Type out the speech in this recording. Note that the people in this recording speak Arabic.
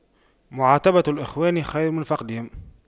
معاتبة الإخوان خير من فقدهم